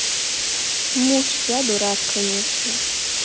муж я дурак конечно